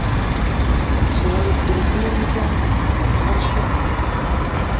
Шулай ук дөрес булыр микән, карчык?